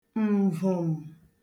m̀vòm